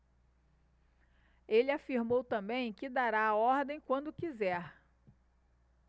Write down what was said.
ele afirmou também que dará a ordem quando quiser